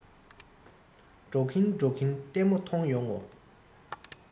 འགྲོ གིན འགྲོ གིན ལྟད མོ མཐོང ཡོང ངོ